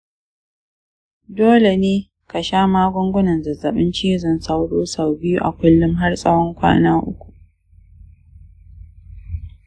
dole ne ka sha magungunan zazzabin cizon sauro sau biyu a kullum har tsawon kwana uku.